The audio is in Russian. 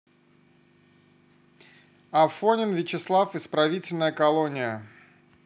афонин вячеслав исправительная колония